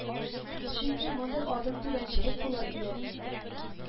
Чөнки мондый адым түбәнчелек булыр иде